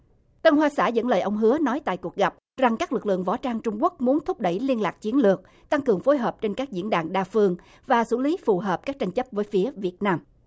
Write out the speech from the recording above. tân hoa xã dẫn lời ông hứa nói tại cuộc gặp rằng các lực lượng võ trang trung quốc muốn thúc đẩy liên lạc chiến lược tăng cường phối hợp trên các diễn đàn đa phương và xử lý phù hợp các tranh chấp với phía việt nam